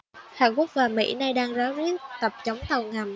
hàn quốc và mỹ nay đang ráo riết tập chống tàu ngầm